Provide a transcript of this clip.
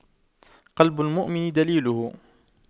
قلب المؤمن دليله